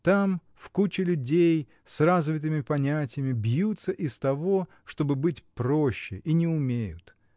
Там, в куче людей с развитыми понятиями, бьются из того, чтобы быть проще, и не умеют